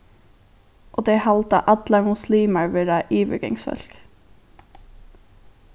og tey halda allar muslimar vera yvirgangsfólk